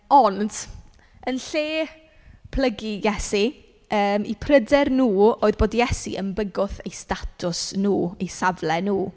Ond, yn lle plygu i Iesu yym eu pryder nhw oedd bod Iesu yn bygwth eu statws nhw, eu safle nhw.